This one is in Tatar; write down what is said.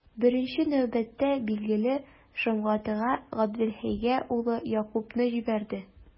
Беренче нәүбәттә, билгеле, Шомгатыга, Габделхәйгә улы Якубны җибәрде.